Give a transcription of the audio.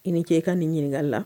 I ni ce i ka nin ɲininkaka la